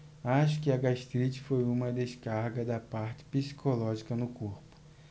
acho que a gastrite foi uma descarga da parte psicológica no corpo